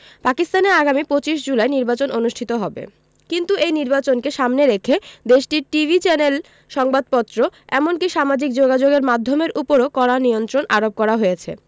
পাকিস্তানে আগামী ২৫ জুলাই নির্বাচন অনুষ্ঠিত হবে কিন্তু এই নির্বাচনকে সামনে রেখে দেশটির টিভি চ্যানেল সংবাদপত্র এমনকি সামাজিক যোগাযোগের মাধ্যমের উপরেও কড়া নিয়ন্ত্রণ আরোপ করা হয়েছে